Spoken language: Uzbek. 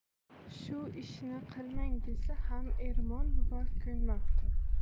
shu ishni qilmang desa ham ermon buva ko'nmapti